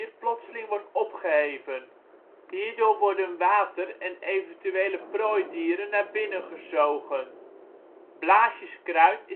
plotseling wordt opgeheven. Hierdoor worden water en eventuele prooidieren naar binnen gezogen. Blaasjeskruid